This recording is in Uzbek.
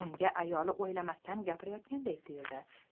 unga ayoli o'ylamasdan gapirganday tuyuldi